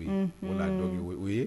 O' dɔ o ye